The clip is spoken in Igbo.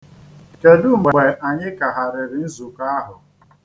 Kedụ mgbe anyị kagharịrị nzụkọ ahụ.